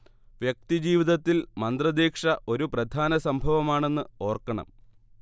വ്യക്തിജീവിതത്തിൽ മന്ത്രദീക്ഷ ഒരു പ്രധാന സംഭവമാണെന്ന് ഓർക്കണം